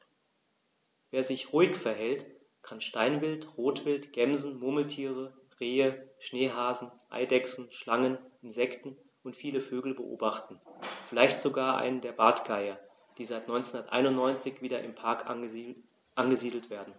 Wer sich ruhig verhält, kann Steinwild, Rotwild, Gämsen, Murmeltiere, Rehe, Schneehasen, Eidechsen, Schlangen, Insekten und viele Vögel beobachten, vielleicht sogar einen der Bartgeier, die seit 1991 wieder im Park angesiedelt werden.